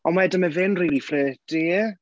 Ond wedyn mae fe'n really flirty.